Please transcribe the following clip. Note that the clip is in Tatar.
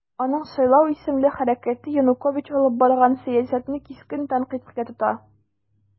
Аның "Сайлау" исемле хәрәкәте Янукович алып барган сәясәтне кискен тәнкыйтькә тота.